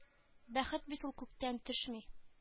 Бәхет бит ул күктән төшми